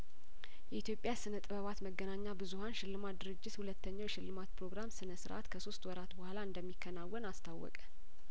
የኢትዮጵያ ስነ ጥበባትና መገናኛ ብዙሀን ሽልማት ድርጅት ሁለተኛው የሽልማት ፕሮግራም ስነስርአት ከሶስት ወራት በኋላ እንደሚያከናውን አስታወቀ